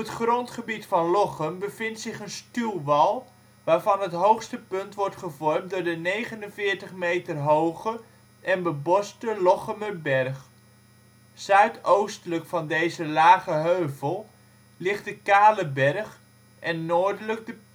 grondgebied van Lochem bevindt zich een stuwwal, waarvan het hoogste punt wordt gevormd door de 49 meter hoge en beboste Lochemerberg. Zuidoostelijk van deze lage heuvel ligt de Kale Berg en noordelijk de